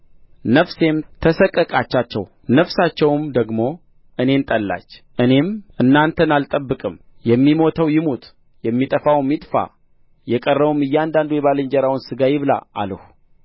ነፍሴም ተሰቀቀቻቸው ነፍሳቸውም ደግሞ እኔን ጠላች እኔም እናንተን አልጠብቅም የሚሞተው ይሙት የሚጠፋውም ይጥፋ የቀረውም እያንዳንዱ የባልንጀራውን ሥጋ ይብላ አልሁ